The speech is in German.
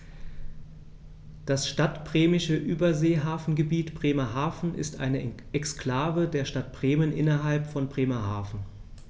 Das Stadtbremische Überseehafengebiet Bremerhaven ist eine Exklave der Stadt Bremen innerhalb von Bremerhaven.